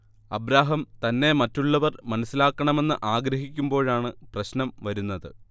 Abraham തന്നെ മറ്റുള്ളവർ മനസ്സിലാക്കണമെന്ന് ആഗ്രഹിക്കുമ്പോഴാണ് പ്രശ്നം വരുന്നത്